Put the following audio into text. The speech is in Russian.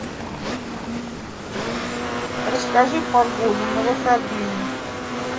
расскажи погоду на выходные